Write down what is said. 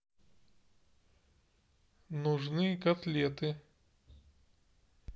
нужны котлеты